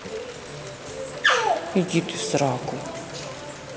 иди ты в сраку